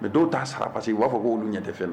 Mɛ dɔw' sara parcesi u b'a fɔ ko'olu ɲɛ tɛ na